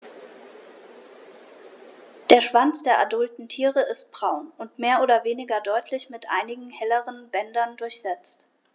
Der Schwanz der adulten Tiere ist braun und mehr oder weniger deutlich mit einigen helleren Bändern durchsetzt.